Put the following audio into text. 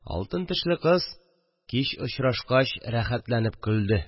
Алтын тешле кыз кич очрашкач рәхәтләнеп көлде